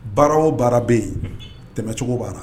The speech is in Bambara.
Baara o baara bɛ yen, tɛmɛcogo b'a la.